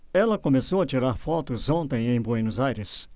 ela começou a tirar fotos ontem em buenos aires